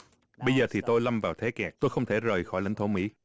bây giờ thì tôi lâm vào thế kẹt tôi không thể rời khỏi lãnh thổ mỹ